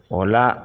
O la